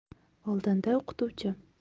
oldinda o'qituvchim